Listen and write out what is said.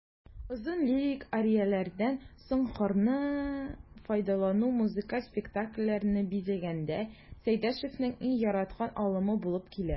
Озын лирик арияләрдән соң хорны файдалану музыкаль спектакльләрне бизәгәндә Сәйдәшевнең иң яраткан алымы булып китә.